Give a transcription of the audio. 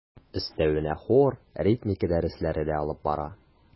Өстәвенә хор, ритмика дәресләре дә алып бара.